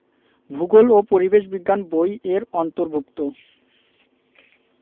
ভূগোল ও পরিবেশ বিজ্ঞান বই এর অন্তর্ভুক্ত